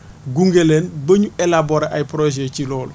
gunge leen bañ élaborer ay projets ci loolu